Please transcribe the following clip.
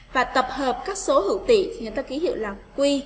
bài tập hợp các số hữu tỉ kí hiệu là q